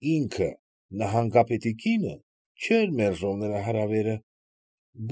Ինքը՝ նահանգապետի կինը, չէր մերժում նրա հրավերը։